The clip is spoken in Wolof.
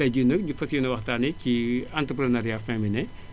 tay jii nag ñu fas yéene waxtaanee ci entreprenariat féminin